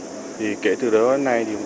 thì kể từ đó đến nay